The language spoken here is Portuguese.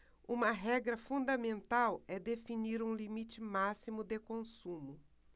uma regra fundamental é definir um limite máximo de consumo